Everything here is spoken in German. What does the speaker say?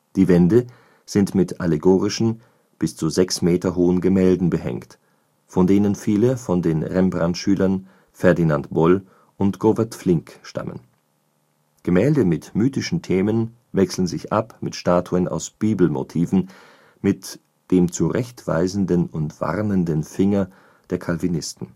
Die Wände sind mit allegorischen, bis zu sechs Meter hohen Gemälden behängt, von denen viele von den Rembrandt-Schülern Ferdinand Bol und Govert Flinck stammen. Gemälde mit mythischen Themen wechseln sich ab mit Statuen aus Bibelmotiven mit „ dem zurechtweisenden und warnenden Finger “der Calvinisten